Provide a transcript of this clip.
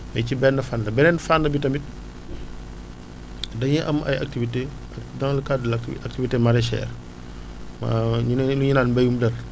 mais ci benn fànn beneen fànn bi tamit dañuy am ay activités dans le cadre de l' acti activité maraicher waawaaw ñu ne li ñuy naan mbéyum deqi